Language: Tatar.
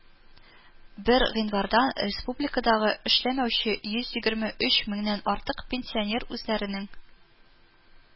Бер гыйнвардан республикадагы эшләмәүче йөз егерме өч меңнән артык пенсионер үзләренең